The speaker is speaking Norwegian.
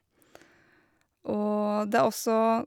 Og det er også...